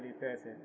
ɗum peese